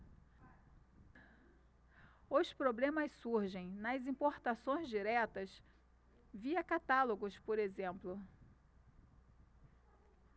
os problemas surgem nas importações diretas via catálogos por exemplo